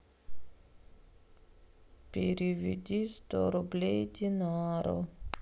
переведи сто рублей динару